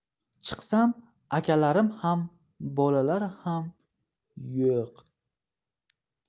chiqsam akalarim ham bolalar ham yo'q